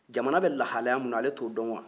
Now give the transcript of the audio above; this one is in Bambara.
jamana bɛ lahalaya min na ale t'o dɔn wa